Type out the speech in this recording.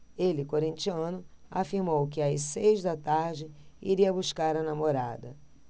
ele corintiano afirmou que às seis da tarde iria buscar a namorada